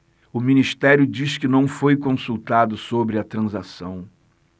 o ministério diz que não foi consultado sobre a transação